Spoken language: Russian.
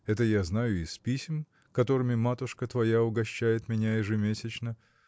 это я знаю из писем, которыми матушка твоя угощает меня ежемесячно